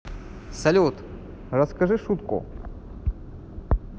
салют расскажи шутку